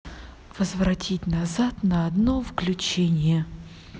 возвратить назад на одно включение